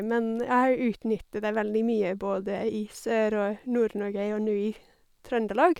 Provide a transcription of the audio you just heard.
Men jeg har utnyttet det veldig mye både i Sør- og Nord-Norge og nå i Trøndelag.